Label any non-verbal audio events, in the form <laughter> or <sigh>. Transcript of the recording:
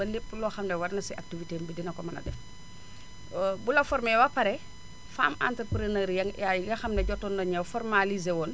ba lépp loo xam ne war na si activité am bi dina ko mën a def <hesitation> bu la formé ba pare femme entreprenariat <noise> yi nga xam ne jotoon nañu ñëw formalisé woon